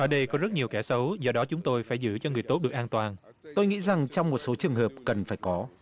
ở đây có rất nhiều kẻ xấu do đó chúng tôi phải giữ cho người tốt được an toàn tôi nghĩ rằng trong một số trường hợp cần phải có